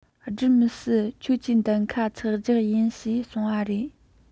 སྒྲུབ མི སྲིད ཁྱོད ཀྱིས གདམ ག འཚག རྒྱག ཡིན ཞེས གསུངས པ རེད